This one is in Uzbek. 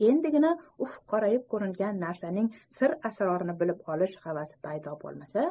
endigina ufqda qorayib ko'ringan narsaning sir asrorini bilib olish havasi paydo bo'lmasa